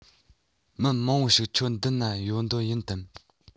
མི མང པོ ཞིག ཁྱོད འདི ན ཡོང འདོད ཡིན དམ